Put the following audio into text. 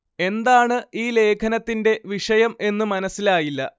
എന്താണ് ഈ ലേഖനത്തിന്റെ വിഷയം എന്നു മനസ്സിലായില്ല